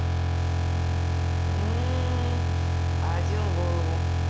м один голову